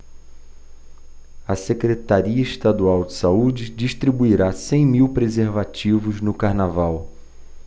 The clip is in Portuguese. a secretaria estadual de saúde distribuirá cem mil preservativos no carnaval